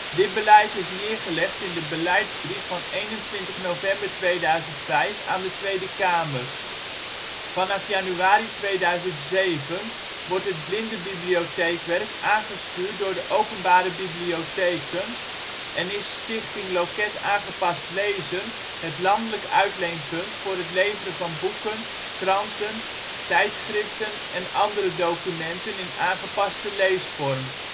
Dit beleid is neergelegd in de beleidsbrief van 21 november 2005 aan de Tweede Kamer. Vanaf januari 2007 wordt het blindenbibliotheekwerk aangestuurd door de openbare bibliotheken en is Stichting Loket aangepast-lezen het landelijke uitleenpunt voor het leveren van boeken, kranten, tijdschriften en andere documenten in aangepaste leesvorm